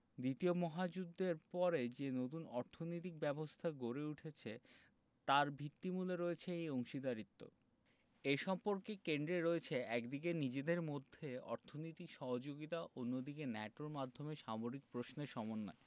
দ্বিতীয় মহাযুদ্ধের পর যে নতুন অর্থনৈতিক ব্যবস্থা গড়ে উঠেছে তার ভিত্তিমূলে রয়েছে এই অংশীদারত্ব এই সম্পর্কের কেন্দ্রে রয়েছে একদিকে নিজেদের মধ্যে অর্থনৈতিক সহযোগিতা অন্যদিকে ন্যাটোর মাধ্যমে সামরিক প্রশ্নে সমন্বয়